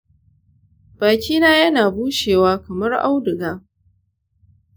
baki na yana bushewa kamar auduga.